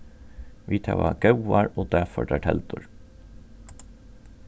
vit hava góðar og dagførdar teldur